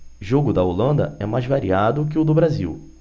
jogo da holanda é mais variado que o do brasil